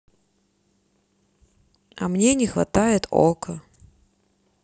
а мне не хватает okko